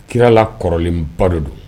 Kirala kɔrɔlenba don